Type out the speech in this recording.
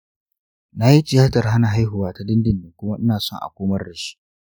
na yi tiyatar hana haihuwa ta dindindin kuma ina son a komar dashi .